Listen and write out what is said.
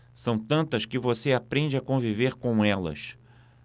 são tantas que você aprende a conviver com elas